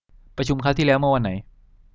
ประชุมคราวที่แล้วเมื่อวันไหน